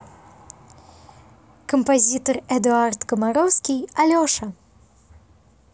композитор эдуард комаровский алеша